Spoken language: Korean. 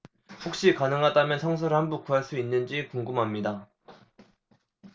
혹시 가능하다면 성서를 한 부 구할 수 있는지 궁금합니다